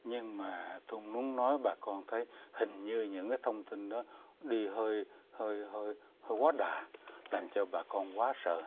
nhưng mà tôi muốn nói bà con thấy hình như những cái thông tin đó đi hơi hơi hơi hơi quá đà làm cho bà con quá sợ hãi